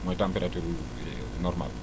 mooy température normale